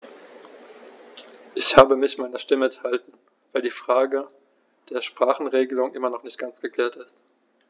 Ich habe mich meiner Stimme enthalten, weil die Frage der Sprachenregelung immer noch nicht ganz geklärt ist.